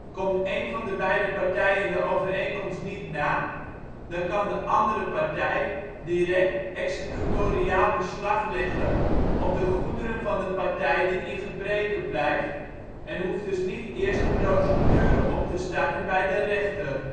Komt één van beide partijen de overeenkomst niet na, dan kan de andere partij direct (executoriaal) beslag leggen op de goederen van de partij die in gebreke blijft en hoeft dus niet eerst een procedure op te starten bij de rechter